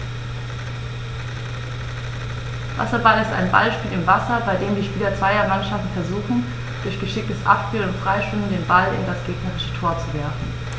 Wasserball ist ein Ballspiel im Wasser, bei dem die Spieler zweier Mannschaften versuchen, durch geschicktes Abspielen und Freischwimmen den Ball in das gegnerische Tor zu werfen.